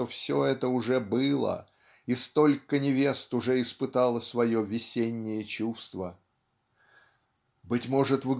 что все это уже было и столько невест уже испытало свое весеннее чувство? Быть может